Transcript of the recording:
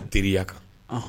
Teriya kan, anhan